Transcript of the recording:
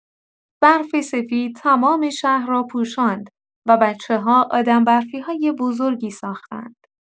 برف سفید تمام شهر را پوشاند و بچه‌ها آدم‌برفی‌های بزرگی ساختند.